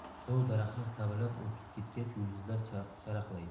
dov daraxtni savalab o'tib ketgach yulduzlar charaqlaydi